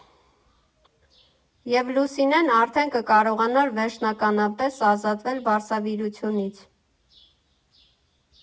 Եվ Լուսինեն արդեն կկարողանար վերջնականապես ազատվել վարսավիրությունից։